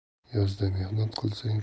yozda mehnat qilsang